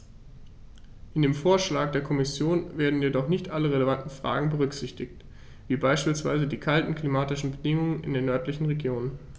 In dem Vorschlag der Kommission werden jedoch nicht alle relevanten Fragen berücksichtigt, wie beispielsweise die kalten klimatischen Bedingungen in den nördlichen Regionen.